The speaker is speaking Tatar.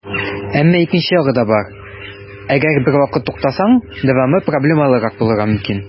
Әмма икенче ягы да бар - әгәр бервакыт туктасаң, дәвамы проблемалырак булырга мөмкин.